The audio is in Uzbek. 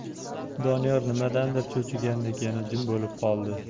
doniyor nimadandir cho'chigandek yana jim bo'lib qoldi